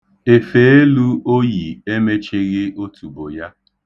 Efeelu o yi emechighị otubo ya.